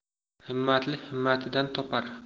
himmatli himmatidan topar